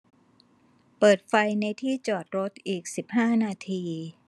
เปิดไฟในที่จอดรถอีกสิบห้านาที